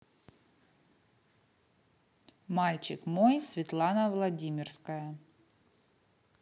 мальчик мой светлана владимирская